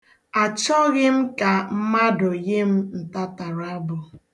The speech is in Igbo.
A chọghị m ka mmadụ yị m ntatarabụ.